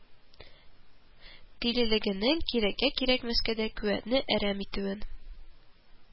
Тилелегенең кирәккә-кирәкмәскә дә куәтне әрәм итүен,